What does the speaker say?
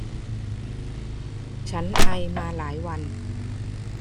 ฉันไอมาหลายวัน